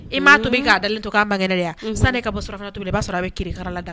I m' to'a to k'a ma san ka bɔ fana to b'a sɔrɔ a bɛ la da